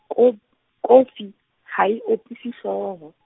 ko kofi, ha e opise hlooho.